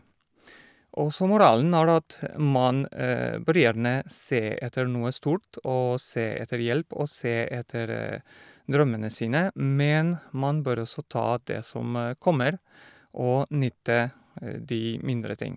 Og så, moralen er at man bør gjerne se etter noe stort og se etter hjelp og se etter drømmene sine, men man bør også ta det som kommer og nyte de mindre ting.